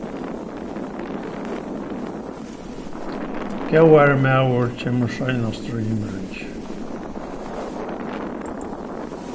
góðvarin maður kemur seinastur í himmiríki